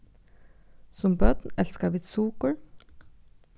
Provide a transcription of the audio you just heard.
sum børn elska vit sukur